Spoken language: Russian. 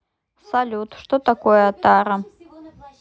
салют что такое отара